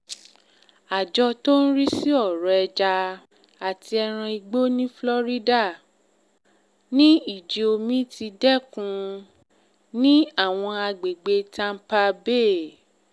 Àjọ tó ń rí sí ọ̀rọ̀ ẹja àti ẹran igbó ní Florida ní ìjì omi ti dẹ́kun ní àwọn agbègbè̀ Tampa Bay.